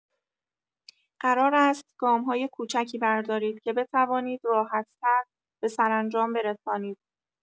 قرار است گام‌های کوچکی بردارید که بتوانید راحت‌تر به سرانجام برسانید.